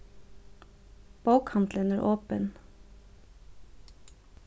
bókahandilin er opin